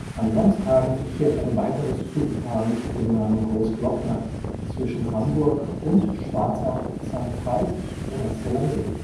An Samstagen verkehrt ein weiteres Zugpaar mit dem Namen Großglockner zwischen Hamburg und Schwarzach-Sankt Veit oder Zell am See